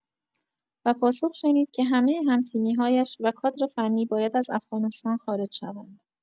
و پاسخ شنید که همه هم‌تیمی‌هایش و کادرفنی باید از افغانستان خارج شوند.